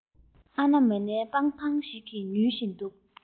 ཨ ན མ ནའི སྤང ཐང ཞིག ཏུ ཉུལ བཞིན འདུག